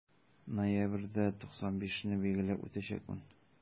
Ноябрьдә 95 не билгеләп үтәчәкмен.